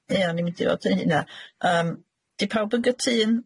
Ia, o'n i'n mynd i ddod i hynna, yym 'di pawb yn gytûn?